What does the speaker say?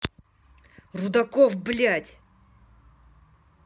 рудаков блядь